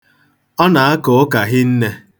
Ọ na-aka ụka hinne.